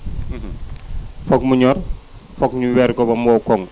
foog mu ñor foog ñu weer ko ba mu wow koŋŋ